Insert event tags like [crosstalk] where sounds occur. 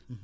[hesitation] [hesitation]